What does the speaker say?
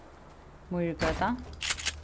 mýrigøta